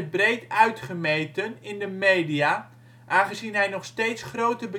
breed uitgemeten in de media, aangezien hij nog steeds grote